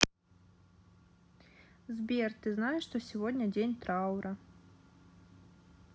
сбер ты знаешь что сегодня день траура